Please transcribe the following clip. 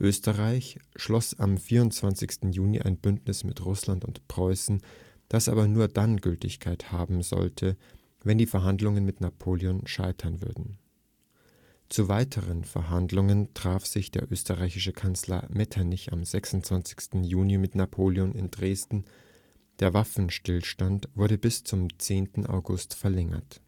Österreich schloss am 24. Juni ein Bündnis mit Russland und Preußen, das aber nur dann Gültigkeit haben sollte, wenn die Verhandlungen mit Napoleon scheitern würden. Zu weiteren Verhandlungen traf sich der österreichische Kanzler Metternich am 26. Juni mit Napoleon in Dresden, der Waffenstillstand wurde bis zum 10. August verlängert